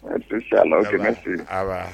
Mɛ sisan kɛmɛ ten a